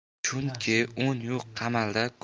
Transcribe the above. chunki un yo'q qamalda